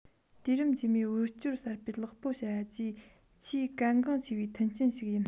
དུས རིམ རྗེས མའི དབུལ སྐྱོར གསར སྤེལ ལེགས པོ བྱ རྒྱུའི ཆེས གལ འགངས ཆེ བའི མཐུན རྐྱེན ཞིག ཡིན